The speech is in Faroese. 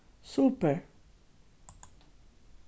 super